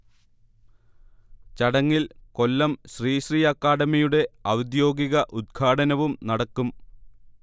ചടങ്ങിൽ കൊല്ലം ശ്രീ ശ്രീ അക്കാഡമിയുടെ ഔദ്യോഗിക ഉദ്ഘാടനവും നടക്കും